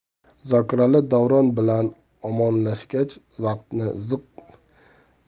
zokirali davron bilan omonlashgach vaqtim